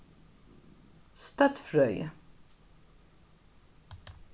støddfrøði